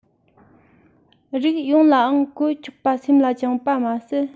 རིགས ཡོངས ལའང བཀོལ ཆོག པ སེམས ལ བཅངས པ མ ཟད